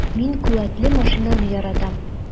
Мин куәтле машинаны яратам.